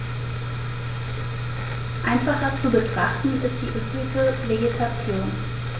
Einfacher zu betrachten ist die üppige Vegetation.